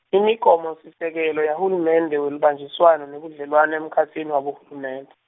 Imigomosisekelo yahulumende welubanjiswano nebudlelwano emkhatsini wabohulumende.